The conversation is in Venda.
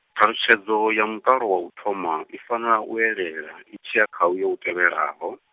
ṱhalutshedzo ya mutalo wa u thoma i fanela u elela itshi ya kha u yu u tevhelaho.